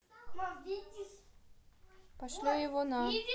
пошлю его на